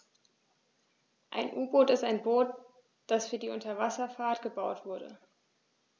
Ein U-Boot ist ein Boot, das für die Unterwasserfahrt gebaut wurde.